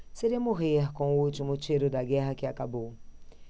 seria morrer com o último tiro da guerra que acabou